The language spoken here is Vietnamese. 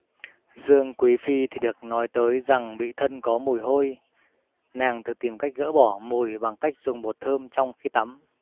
dương quý phi thì được nói tới rằng bị thân có mùi hôi nàng thường tìm cách gỡ bỏ mùi bằng cách dùng bột thơm trong khi tắm